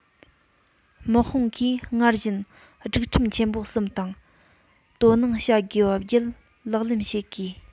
དམག དཔུང གིས སྔར བཞིན སྒྲིག ཁྲིམས ཆེན པོ གསུམ དང དོ སྣང བྱ དགོས པ བརྒྱད ལག ལེན བྱེད དགོས